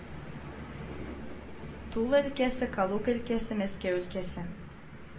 Тула өлкәсе, Калуга өлкәсе, Мәскәү өлкәсе